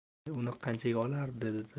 e uni qanchaga olardi